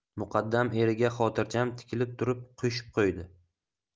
muqaddam eriga xotirjam tikilib turib qo'shib qo'ydi